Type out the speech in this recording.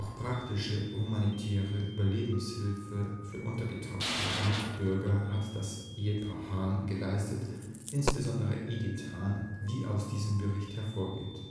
praktische humanitäre Überlebenshilfe für untergetauchte Mitbürger hat das Ehepaar Hahn geleistet, insbesondere Edith Hahn, wie aus einem Bericht hervorgeht